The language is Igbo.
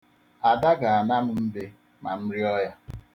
Ada ga-ana m mbe ma m rịọ ya.